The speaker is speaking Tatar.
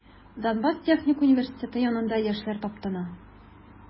Донбасс техник университеты янында яшьләр таптана.